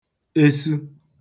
esu